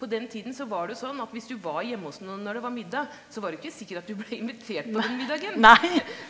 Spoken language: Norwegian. på den tiden så var det jo sånn at hvis du var hjemme hos noen når det var middag så var det ikke sikkert at du ble invitert på den middagen.